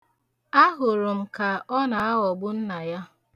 Ahụrụ m ya ka ọ na-aghọgbu nna ya.